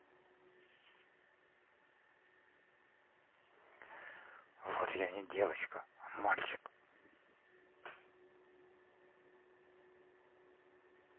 вот я не девочка а мальчик